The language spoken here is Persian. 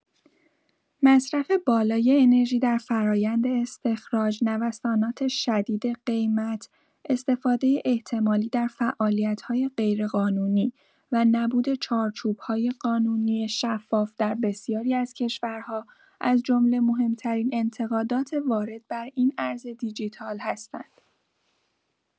مصرف بالای انرژی در فرآیند استخراج، نوسانات شدید قیمت، استفاده احتمالی در فعالیت‌های غیرقانونی و نبود چارچوب‌های قانونی شفاف در بسیاری از کشورها، از جمله مهم‌ترین انتقادات وارد بر این ارز دیجیتال هستند.